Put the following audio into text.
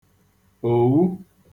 òwu